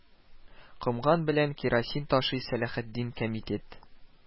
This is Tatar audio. Комган белән кирасин ташый Салахетдин «Кәмитет»